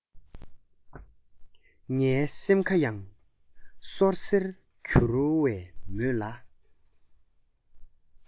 ངའི སེམས ཁ ཡང སོར སེར གྱུར བའི མོད ལ